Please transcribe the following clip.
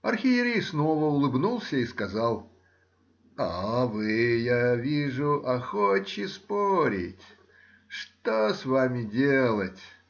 Архиерей снова улыбнулся и сказал: — А вы, я вижу, охочи спорить. Что с вами делать!